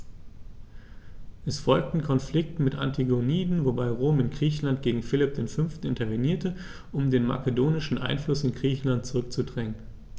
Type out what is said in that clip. Es folgten Konflikte mit den Antigoniden, wobei Rom in Griechenland gegen Philipp V. intervenierte, um den makedonischen Einfluss in Griechenland zurückzudrängen.